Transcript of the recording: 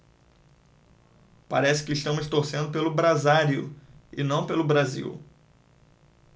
parece que estamos torcendo pelo brasário e não pelo brasil